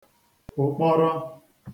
ụ̀kpọrọ